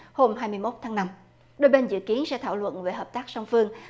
hôm hai mươi mốt tháng năm đôi bên dự kiến sẽ thảo luận về hợp tác song phương